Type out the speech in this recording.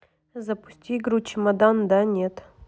запусти игру чемодан да нет